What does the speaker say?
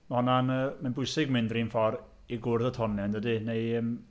Ond na yy mae'n bwysig mynd yr un ffordd i gwrdd y tonnau yn dydy neu yym...